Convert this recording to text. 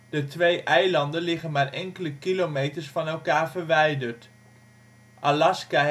de twee eilanden liggen maar enkele kilometers van elkaar verwijderd). Alaska